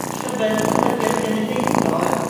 Llyfyr- Llyfyrgell Genedlaethol